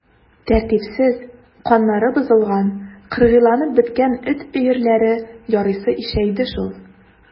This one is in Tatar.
Тәртипсез, каннары бозылган, кыргыйланып беткән эт өерләре ярыйсы ишәйде шул.